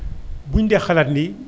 buñ dee xalaat ni